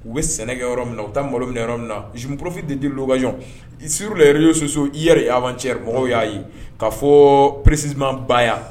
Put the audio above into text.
U bɛ sɛnɛkɛ yɔrɔ min u taa malo minɛ yɔrɔ min na sporofi de di bay i sre ye sososu i yɛrɛ' cɛmɔgɔw y'a ye kaa fɔ presiman ba